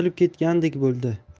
uzilib ketgandek bo'ldi